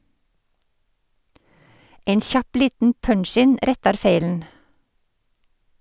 Ein kjapp liten punch-in rettar feilen.